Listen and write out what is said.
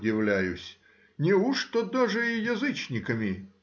— удивляюсь,— неужто даже и язычниками?